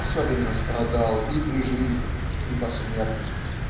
особенно страдал и при жизни и посмертно.